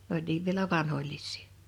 ne oli niin vielä vanhoillisia